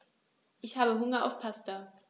Ich habe Hunger auf Pasta.